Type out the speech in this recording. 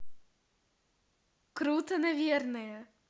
круто наверное